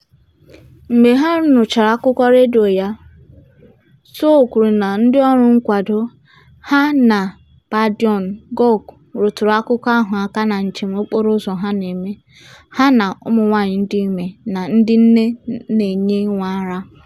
Mgbe ha nụchara akụkọ redio ya, Sow kwuru na ndịọrụ nkwado, ha na Badianou Guokh rụtụrụ akụkọ ahụ aka na njem okporoụzọ ha na-eme, ha na ụmụnwaanyị dị ime na ndị nne na-enye nwa ara.